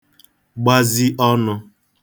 gbazi ọnụ̄